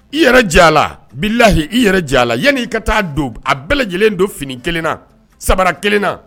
I yɛrɛ jɛ a la billahi i yɛrɛ ja a la yanni'i ka taa don a bɛɛ lajɛlen don finikelenn,a sabara kelenna!